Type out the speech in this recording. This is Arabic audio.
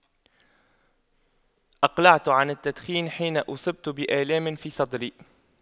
أقلعت عن التدخين حين أصبت بآلام في صدري